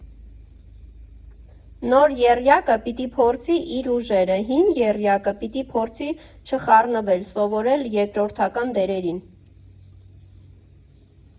Նոր եռյակը պիտի փորձի իր ուժերը, հին եռյակը պիտի փորձի չխառնվել, սովորել երկրորդական դերերին։